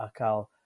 a ca'l